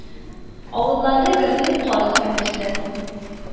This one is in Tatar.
Авылларда гөрли каз өмәсе